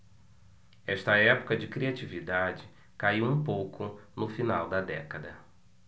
esta época de criatividade caiu um pouco no final da década